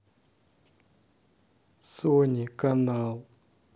сони канал